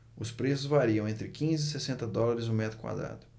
os preços variam entre quinze e sessenta dólares o metro quadrado